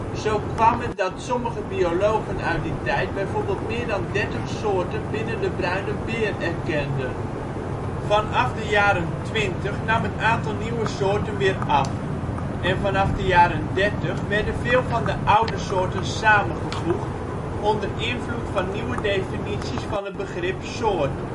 Zo kwam het dat sommige biologen uit die tijd bijvoorbeeld meer dan dertig soorten binnen de bruine beer erkenden. Vanaf de jaren 20 nam het aantal nieuwe soorten weer af, en vanaf de jaren 30 werden veel van de oude soorten samengevoegd onder invloed van nieuwe definities van het begrip " soort